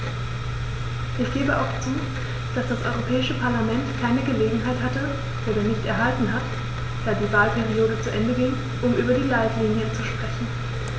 Ich gebe auch zu, dass das Europäische Parlament keine Gelegenheit hatte - oder nicht erhalten hat, da die Wahlperiode zu Ende ging -, um über die Leitlinien zu sprechen.